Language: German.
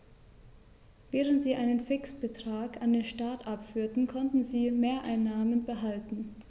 Während sie einen Fixbetrag an den Staat abführten, konnten sie Mehreinnahmen behalten.